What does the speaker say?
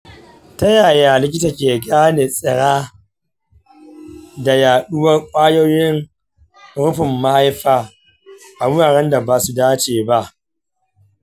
ta yaya likita ke gano tsiro da yaduwar ƙwayoyin rufin mahaifa a wuraren da ba su dace ba?